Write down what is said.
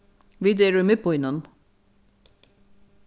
vit eru í miðbýnum